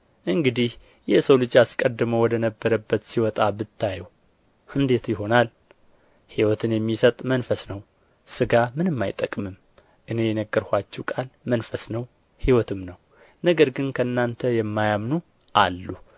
እንግዲህ የሰው ልጅ አስቀድሞ ወደ ነበረበት ሲወጣ ብታዩ እንዴት ይሆናል ሕይወትን የሚሰጥ መንፈስ ነው ሥጋ ምንም አይጠቅምም እኔ የነገርኋችሁ ቃል መንፈስ ነው ሕይወትም ነው ነገር ግን ከእናንተ የማያምኑ አሉ